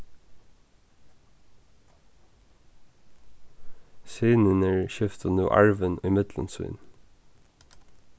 synirnir skiftu nú arvin ímillum sín